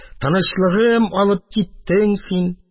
Тынычлыгым алып киттең син